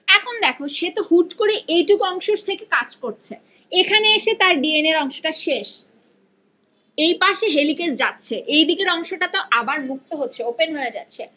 এখন দেখ সে তো হুট করে এইটুক অংশ থেকে কাজ করছে এখানে এসে তার ডি এন এর অংশ টা শেষ এইপাশে হেলিকেজ যাচ্ছে এইদিকের অংশটাতো আবার মুক্ত হচ্ছে ওপেন হয়ে যাচ্ছে